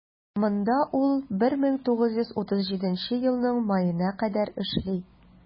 Монда ул 1937 елның маена кадәр эшли.